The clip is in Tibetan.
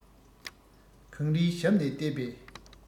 གངས རིའི ཞབས ནས ལྟས པས